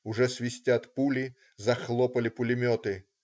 Уже свистят пули, захлопали пулеметы.